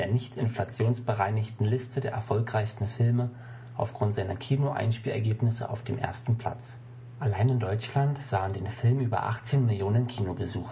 nicht inflationsbereinigten Liste der erfolgreichsten Filme aufgrund seiner Kino-Einspielergebnisse auf dem ersten Platz. Allein in Deutschland sahen den Film über 18 Millionen Kinobesucher